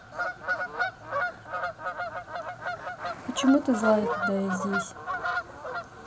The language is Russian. почему ты злая когда я здесь